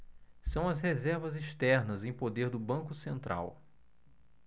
são as reservas externas em poder do banco central